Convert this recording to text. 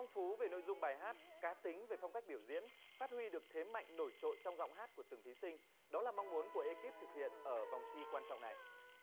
phong phú về nội dung bài hát cá tính với phong cách biểu diễn phát huy được thế mạnh nổi trội trong giọng hát của từng thí sinh đó là mong muốn của ê kíp thực hiện ở vòng thi quan trọng này